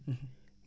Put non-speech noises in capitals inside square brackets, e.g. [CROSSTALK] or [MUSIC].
[HESITATION] [HESITATION]